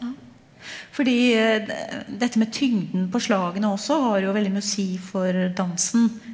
ja, fordi dette med tyngden på slagene også har jo veldig mye å si for dansen.